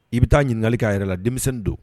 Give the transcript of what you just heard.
I bɛ taa ɲininkali ka yɛrɛ la denmisɛnnin don